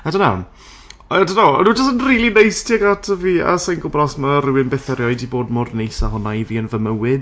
I don't know I dunno. O'n nhw jyst yn rili neis tuag ata fi, a sa i'n gwbod os ma' rywun byth erioed 'di bod mor neis a hwnna i fi yn fy mywyd...